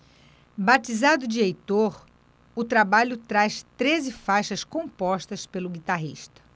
batizado de heitor o trabalho traz treze faixas compostas pelo guitarrista